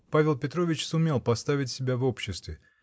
Павел Петрович сумел поставить себя в обществе